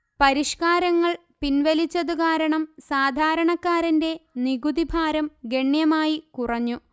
പരിഷ്കാരങ്ങൾ പിൻവലിച്ചതുകാരണം സാധാരണക്കാരന്റെ നികുതിഭാരം ഗണ്യമായി കുറഞ്ഞു